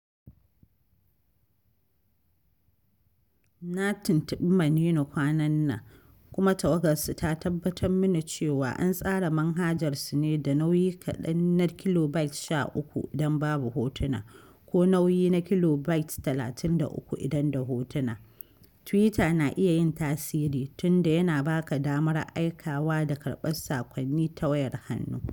Na tuntuɓi Maneno kwanan nan, kuma tawagarsu ta tabbatar mini cewa An tsara manhajarsu ne da nauyi kaɗan na 13 kb idan babu hotuna, ko nauyi na 33 kb idan da hotuna… Twitter na iya yin tasiri tunda yana ba ka damar aikawa da karɓar saƙwannni ta wayar hannu.